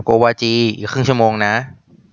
โกวาจีอีกครึ่งชั่วโมงนะ